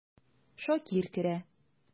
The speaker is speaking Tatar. Шакир керә.